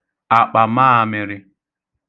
àkpàmaāmmị̄rị̄